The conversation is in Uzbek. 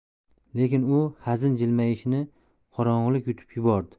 lekin bu hazin jilmayishini qorong'ilik yutib yubordi